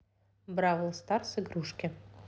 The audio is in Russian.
бравл старс игрушки